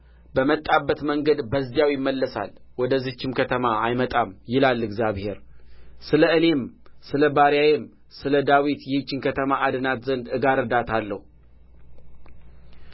በመጣበት መንገድ በዚያው ይመለሳል ወደዚህችም ከተማ አይመጣም ይላል እግዚአብሔር ስለ እኔም ስለ ባሪያዬም ስለ ዳዊት ይህችን ከተማ አድናት ዘንድ እጋርዳታለሁ